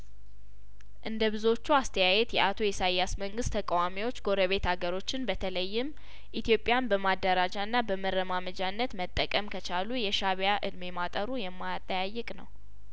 እንደ ብዙዎቹ አስተያየት የአቶ ኢሳያስ መንግስት ተቃዋሚዎች ጐረቤት አገሮችን በተለይም ኢትዮጵያን በማደራጃና በመረማመጃነት መጠቀም ከቻሉ የሻእቢያእድሜ ማ ጠሩ የማያጠያይቅ ነው